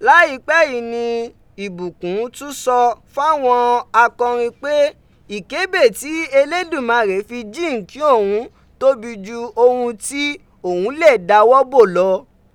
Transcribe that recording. Laipẹ yii ni Ìbùkún tun sọ fawọn akọroyin pe ikebe ti Eleduwa fi jinki oun tobi ju ohun ti oun le dọwọ bo lọ.